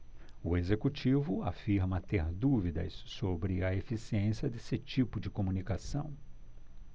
o executivo afirma ter dúvidas sobre a eficiência desse tipo de comunicação